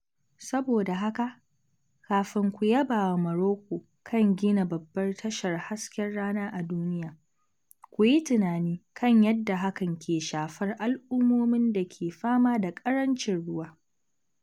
Saboda haka, kafin ku yabawa Morocco kan gina babbar tashar hasken rana a duniya, ku yi tunani kan yadda hakan ke shafar al’ummomin da ke fama da ƙarancin ruwa.